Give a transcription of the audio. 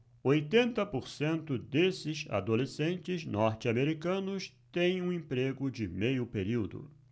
oitenta por cento desses adolescentes norte-americanos têm um emprego de meio período